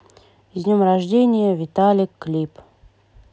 с днем рождения виталик клип